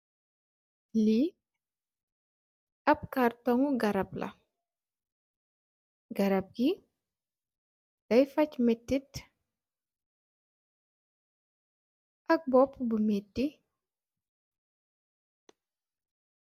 Li ap cartoon garab la garab bi daay fag metit ak mboba bu meti.